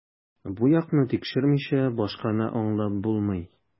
Бу якны тикшермичә, башканы аңлап булмый.